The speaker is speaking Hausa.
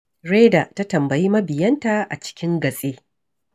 Reyder ta tambayi mabiyanta a cikin gatse.